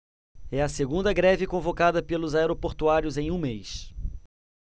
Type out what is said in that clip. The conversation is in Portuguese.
é a segunda greve convocada pelos aeroportuários em um mês